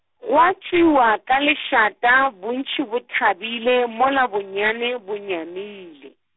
gwa tšwewa ka lešata bontši bo thabile mola bonyane bo nyamile.